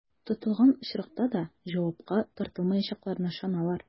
Тотылган очракта да җавапка тартылмаячакларына ышаналар.